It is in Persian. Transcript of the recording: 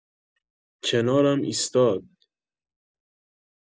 کنارم ایستاد.